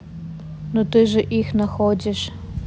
ну ты же их находишь